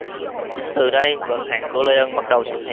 chính từ đây vận hạn của lê ân bắt đầu xuất hiện